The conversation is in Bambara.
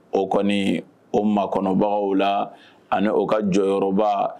O kɔni o makɔnɔbagaw la ani o ka jɔn yɔrɔba